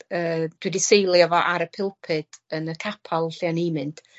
yy dwi 'di seilo fo ar y pulpud yn y capal lle o'n i'n mynd